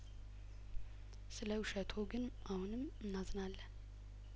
ስለውሸትዎ ግን አሁንም እናዝናለን